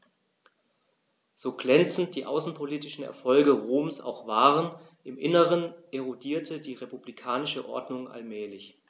So glänzend die außenpolitischen Erfolge Roms auch waren: Im Inneren erodierte die republikanische Ordnung allmählich.